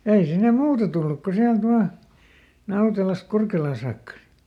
ja ei sinne muuta tullut kuin sieltä vain Nautelasta Kurkelaan saakka